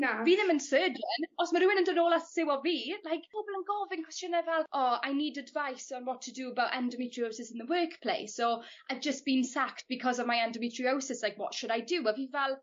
na fi ddim yn surgeon os ma' rywun yn dod nôl a siwio fi like pobol yn gofyn cwestiyne fel Oh I needed advice on what to do about endometriosis in the workplace or I've just bee sacked because of my endometriosis like what should I do a fi fel